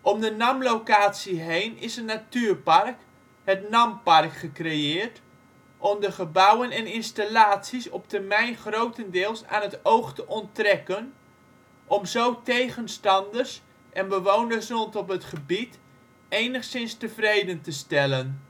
Om de NAM-locatie heen is een natuurpark, het ' NAM-park ' gecreëerd, om de gebouwen en installaties op termijn grotendeels aan het oog te onttrekken, om zo tegenstanders en bewoners rondom het gebied enigszins tevreden te stellen.